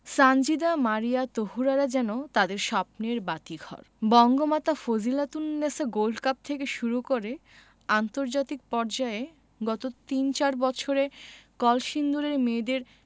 সানজিদা মারিয়া তহুরারা যেন তাদের স্বপ্নের বাতিঘর বঙ্গমাতা ফজিলাতুন্নেছা গোল্ড কাপ থেকে শুরু করে আন্তর্জাতিক পর্যায়ে গত তিন চার বছরে কলসিন্দুরের মেয়েদের